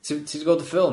Ti ti 'di gweld y ffilm?